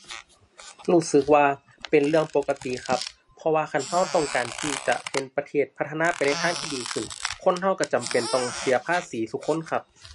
รู้สึกว่าเป็นเรื่องปกติครับ เพราะว่าคันเราต้องการที่จะเห็นประเทศพัฒนาไปในทางที่ดีขึ้น คนเราเราจำเป็นต้องเสียภาษีซุคนครับ